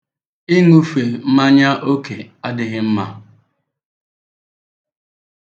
Ị n̄ụfe mmanya oke adịghị mma.